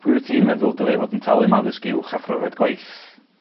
Pwy wyt ti'n meddwl dylie fod yn talu ym addysg uwch a phrofiad gwaith?